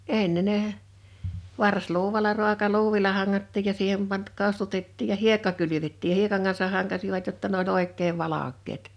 ennen ne varsiluudalla ruokaluudilla hangattiin ja siihen - kostutettiin ja hiekka kylvettiin ja hiekan kanssa hankasivat jotta ne oli oikein valkeat